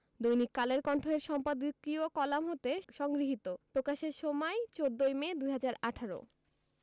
দৈনিক কালের কণ্ঠ এর সম্পাদকীয় কলাম হতে সংগৃহীত প্রকাশের সময় ১৪ মে ২০১৮